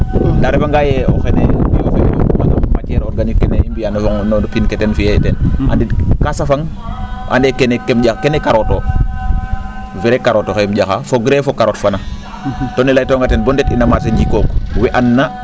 ndaa a refangaa yee o xene manam no matiere organique kene i mbiya no pin ke ten fi'e teen andid kaa safang o ande kene carotte o vrai carotte fene um ?axa fogree fo carotte fene to ne laytanonga o ten boo nu ndet'ina marché njikook wee andna